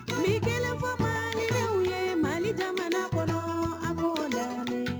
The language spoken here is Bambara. Tile kelen fɔ madenw ye mali jamana ko ko